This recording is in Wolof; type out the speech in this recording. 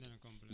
dana complet